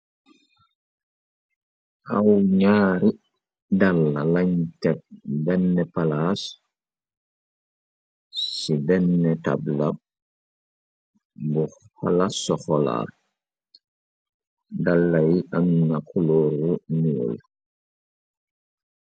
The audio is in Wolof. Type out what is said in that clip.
aw ñaari dalla lañ teg denn palaas ci denn tabla bu xala soxolaar dalay am na kulóoru nuol